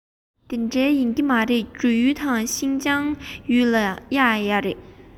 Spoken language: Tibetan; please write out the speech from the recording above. དེ འདྲ ཡིན གྱི མ རེད འབྲུག ཡུལ དང ཤིན ཅང རྒྱུད ལ ཡང གཡག ཡོད རེད